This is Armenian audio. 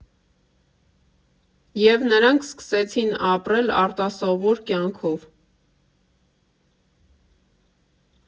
Եվ նրանք սկսեցին ապրել արտասովոր կյանքով։